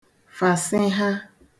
fàsiha